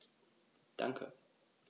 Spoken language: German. Danke.